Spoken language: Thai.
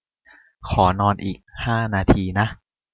ขอนอนอีกห้านาทีนะ